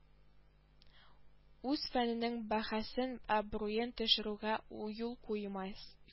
Үз фәненең бәһасен абруен төшерүгә юл куймас